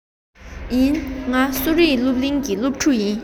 ཡིན ང གསོ རིག སློབ གླིང གི སློབ ཕྲུག ཡིན